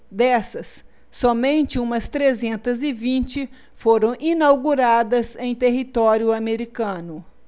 dessas somente umas trezentas e vinte foram inauguradas em território americano